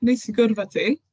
Neis i gwrdd â ti.